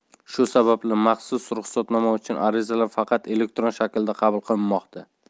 shu sababli mazkur ruxsatnoma uchun arizalar faqat elektron shaklda qabul qilinmoqda